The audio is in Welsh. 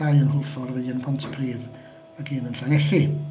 Dau yn Hwlffordd a un yn Pontypridd, ac un yn Llanelli.